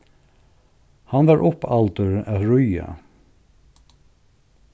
hann var uppaldur at ríða